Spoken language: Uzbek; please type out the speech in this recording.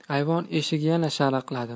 ayvon eshigi yana sharaqladi